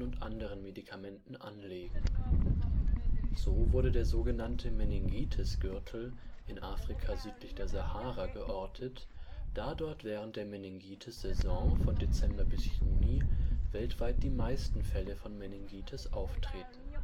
und anderen Medikamenten anlegen. So wurde der sogenannte „ Meningitis-Gürtel “im Afrika südlich der Sahara geortet, da dort während der „ Meningitis-Saison “von Dezember bis Juni weltweit die meisten Fälle von Meningitis auftreten.